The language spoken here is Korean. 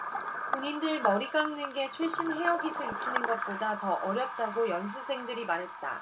군인들 머리 깎는 게 최신 헤어 기술 익히는 것보다 더 어렵다고 연수생들이 말했다